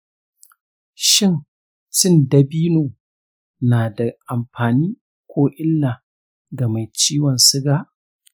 shin cin dabino na da amfani ko illa ga mai ciwon suga?